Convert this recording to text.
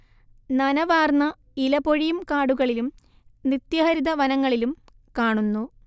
നനവാർന്ന ഇലപൊഴിയും കാടുകളിലും നിത്യഹരിതവനങ്ങളിലും കാണുന്നു